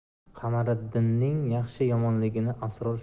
qamariddinning yaxshi yomonligini asror